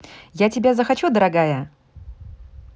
я тебя захочу дорогая